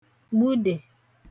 gbụdè